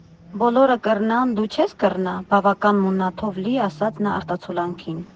«Բոլորը կռնան, դու չե՞ս կռնա», բավական մուննաթով լի ասաց նա արտացոլանքին։